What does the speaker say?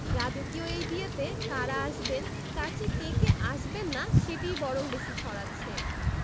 রাজকীয় এই বিয়েতে কারা আসবেন তার চেয়ে কে কে আসবেন না সেটিই বরং বেশি ছড়াচ্ছে